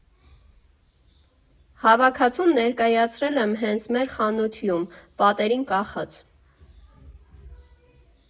Հավաքածուն ներկայացրել եմ հենց մեր խանությում՝ պատերին կախած։